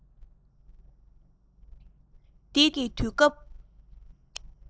འདི དེང གི དུས སྐབས